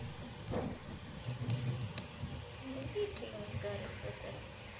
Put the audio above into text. найди фильмы с гарри поттером